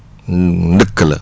ndëkk la